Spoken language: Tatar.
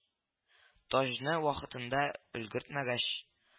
Таҗны вакытында өлгертмәгәч